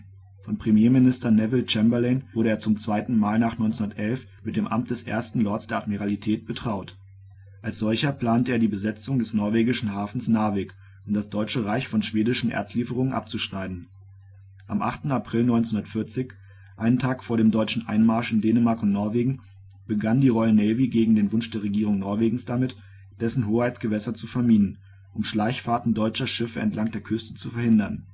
Premierminister Neville Chamberlain wurde er zum zweiten Mal nach 1911 mit dem Amt des Ersten Lords der Admiralität betraut. Als solcher plante er die Besetzung des norwegischen Hafens Narvik, um das Deutsche Reich von schwedischen Erzlieferungen abzuschneiden. Am 8. April 1940, einen Tag vor dem deutschen Einmarsch in Dänemark und Norwegen, begann die Royal Navy gegen den Wunsch der Regierung Norwegens damit, dessen Hoheitsgewässer zu verminen, um Schleichfahrten deutscher Schiffe entlang der Küste zu verhindern